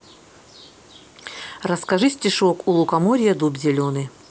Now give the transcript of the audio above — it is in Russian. расскажи стишок у лукоморья дуб зеленый